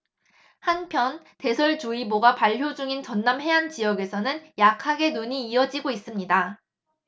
한편 대설주의보가 발효 중인 전남 해안 지역에서는 약하게 눈이 이어지고 있습니다